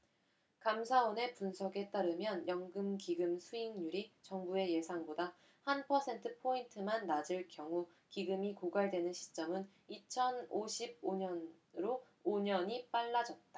감사원의 분석에 따르면 연금기금수익률이 정부의 예상보다 한 퍼센트포인트만 낮을 경우 기금이 고갈되는 시점은 이천 오십 오 년으로 오 년이 빨라졌다